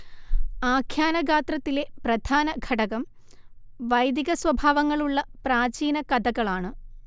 ആഖ്യാനഗാത്രത്തിലെ പ്രധാനഘടകം വൈദികസ്വഭാവങ്ങളുള്ള പ്രാചീനകഥകളാണ്